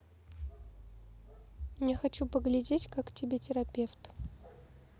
я хочу поглядеть как тебе терапевт